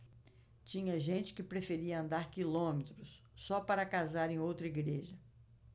tinha gente que preferia andar quilômetros só para casar em outra igreja